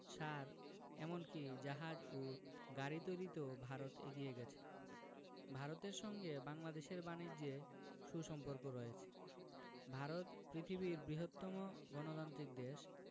সার এমন কি জাহাজ ও গাড়ি তৈরিতেও ভারত এগিয়ে গেছে ভারতের সঙ্গে বাংলাদেশের বানিজ্যে সু সম্পর্ক রয়েছে ভারত পৃথিবীর বৃহত্তম গণতান্ত্রিক দেশ